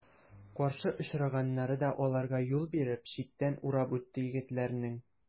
Каршы очраганнары да аларга юл биреп, читтән урап үтте егетләрнең.